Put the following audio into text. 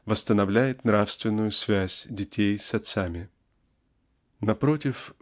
восстановляет нравственную связь детей с отцами. Напротив